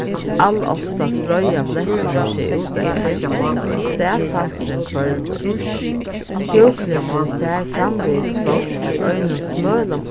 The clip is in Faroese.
aloftast breiða blettirnir seg úteftir so staðsansurin hvørvur sjúklingurin sær framvegis klárt í einum smølum